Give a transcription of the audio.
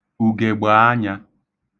ùgègbàanyā